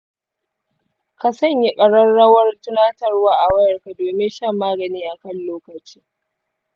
ka sanya ƙararrawar tunatarwa a wayarka domin shan magani a kan lokaci.